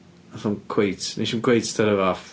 Wnaeth o'm cweit... wnes i'm cweit tynnu fo off.